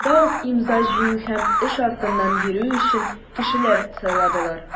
Шунда ук имза җыю һәм эш артыннан йөрү өчен кешеләр сайладылар.